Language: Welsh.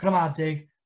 gramadeg